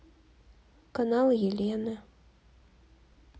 канал елены